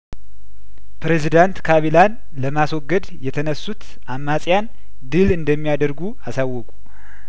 ፕሬዚዳንት ካቢላን ለማስወገድ የተነሱት አማጺያን ድል እንደሚያደርጉ አሳወቁ